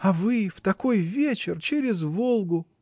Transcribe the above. А вы — в такой вечер через Волгу!